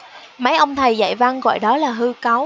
mấy ông thầy dạy văn gọi đó là hư cấu